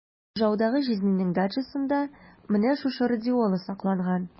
Ижаудагы җизнинең дачасында менә шушы радиола сакланган.